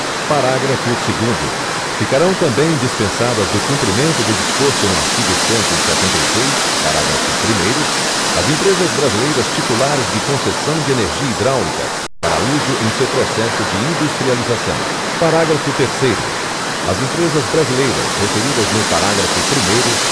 parágrafo segundo ficarão também dispensadas do cumprimento do disposto no artigo cento e setenta e seis parágrafo primeiro as empresas brasileiras titulares de concessão de energia hidráulica para uso em seu processo de industrialização parágrafo terceiro as empresas brasileiras referidas no parágrafo primeiro